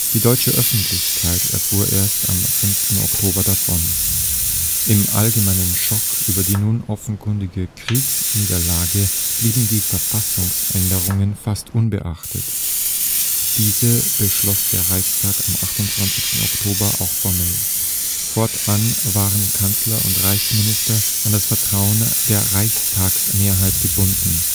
Die deutsche Öffentlichkeit erfuhr erst am 5. Oktober davon. Im allgemeinen Schock über die nun offenkundige Kriegsniederlage blieben die Verfassungsänderungen fast unbeachtet. Diese beschloss der Reichstag am 28. Oktober auch formell. Fortan waren Kanzler und Reichsminister an das Vertrauen der Reichstagsmehrheit gebunden